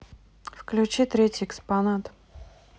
включи третий экспонат